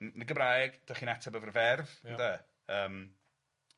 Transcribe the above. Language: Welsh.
'N 'n y Gymraeg, 'dach chi'n ateb efo'r ferf. Ie. Ynde? Yym.